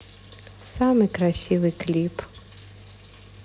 самый красивый клип